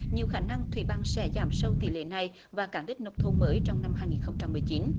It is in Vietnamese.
nhiều khả năng thủy bằng sẽ giảm sâu tỷ lệ này và cán đích nông thôn mới trong năm hai nghìn không trăm mười chín